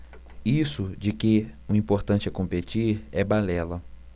isso de que o importante é competir é balela